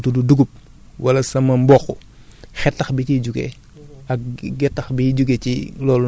bu dee dama bay sama nu mu tudd dugub wala sama mboq xetax bi ciy juge